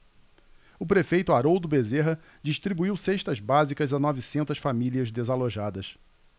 o prefeito haroldo bezerra distribuiu cestas básicas a novecentas famílias desalojadas